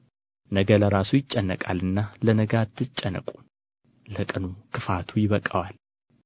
ነገ ለራሱ ይጨነቃልና ለነገ አትጨነቁ ለቀኑ ክፋቱ ይበቃዋል